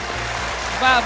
và